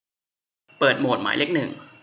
เปิดโหมดหมายเลขหนึ่ง